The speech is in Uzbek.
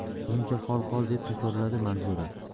buguncha qola qol deb takrorladi manzura